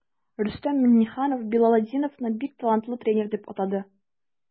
Рөстәм Миңнеханов Билалетдиновны бик талантлы тренер дип атады.